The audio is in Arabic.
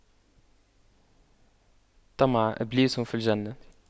طمع إبليس في الجنة